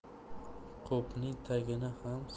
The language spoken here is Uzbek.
qopning tagini ham